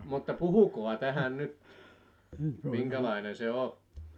mutta puhukaa tähän nyt minkälainen se on